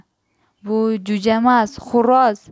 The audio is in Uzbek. bu jo'jamas xo'roz